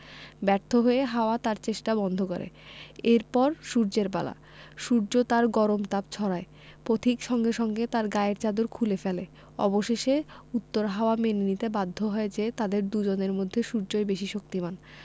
ব্যর্থ হয়ে হাওয়া তার চেষ্টা বন্ধ করে এর পর সূর্যের পালা সূর্য তার গরম তাপ ছড়ায় পথিক সঙ্গে সঙ্গে তার গায়ের চাদর খুলে ফেলে অবশেষে উত্তর হাওয়া মেনে নিতে বাধ্য হয় যে তাদের দুজনের মধ্যে সূর্যই বেশি শক্তিমান